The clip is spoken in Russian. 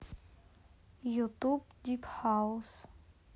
ютуб дипхаус